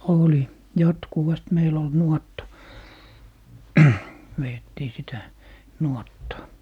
oli jatkuvasti meillä oli nuotta vedettiin sitä nuottaa